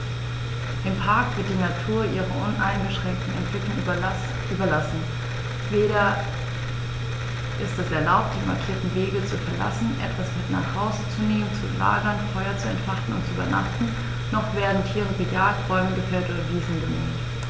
Im Park wird die Natur ihrer uneingeschränkten Entwicklung überlassen; weder ist es erlaubt, die markierten Wege zu verlassen, etwas mit nach Hause zu nehmen, zu lagern, Feuer zu entfachen und zu übernachten, noch werden Tiere gejagt, Bäume gefällt oder Wiesen gemäht.